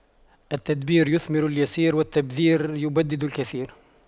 التدبير يثمر اليسير والتبذير يبدد الكثير